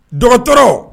Dɔgɔtɔrɔ